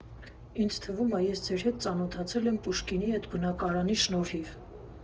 Ինձ թվում ա՝ ես ձեր հետ ծանոթացել եմ Պուշկինի էդ բնակարանի շնորհիվ։